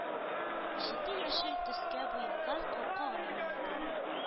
Җете яшел төскә буялган капкага юнәлде...